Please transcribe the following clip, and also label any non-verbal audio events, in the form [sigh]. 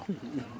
[hesitation] [hesitation]